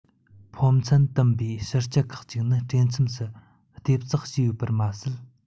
ཕོ མཚན བཏུམ པའི ཕྱི སྐྱི ཁག ཅིག ནི དཀྲེ མཚམས སུ ལྟེབ རྩེག བྱས ཡོད པར མ ཟད